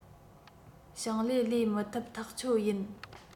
ཞིང ལས ལས མི ཐུབ ཐག ཆོད ཡིན